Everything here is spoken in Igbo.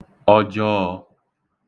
ọjọọ̄